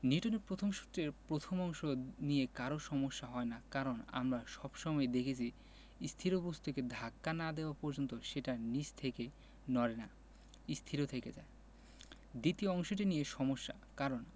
নিউটনের প্রথম সূত্রের প্রথম অংশ নিয়ে কারো সমস্যা হয় না কারণ আমরা সব সময়ই দেখেছি স্থির বস্তুকে ধাক্কা না দেওয়া পর্যন্ত সেটা নিজে থেকে নড়ে না স্থির থেকে যায় দ্বিতীয় অংশটি নিয়ে সমস্যা কারণ